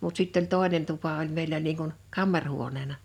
mutta sitten oli toinen tupa oli meillä niin kuin kamarihuoneena